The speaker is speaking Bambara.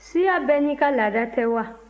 siya bɛɛ n'i ka laada tɛ wa